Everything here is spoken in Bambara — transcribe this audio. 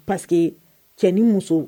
Paseke que cɛn ni muso